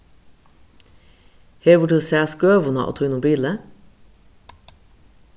hevur tú sæð skøvuna á tínum bili